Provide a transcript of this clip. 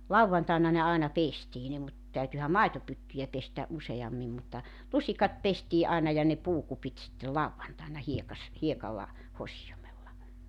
lauantaina ne aina pestiin ne mutta täytyihän maitopyttyjä pestä useammin mutta lusikat pestiin’ aina ja ne puukupit sitten lauantaina - hiekalla hosioimella